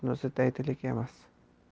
bunisi daydilik emas